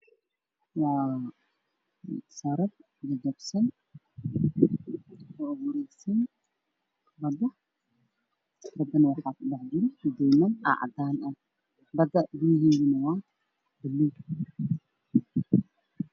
Meeshaan waa badda waxaa ku dhex jira duuman cadaan ah waxayna dabayaan kalluun waaweyn oo la dabayo